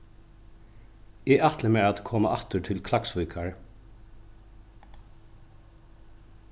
eg ætli mær at koma aftur til klaksvíkar